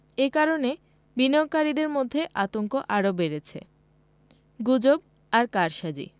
এ কারণে বিনিয়োগকারীদের মধ্যে আতঙ্ক আরও বেড়েছে গুজব আর কারসাজি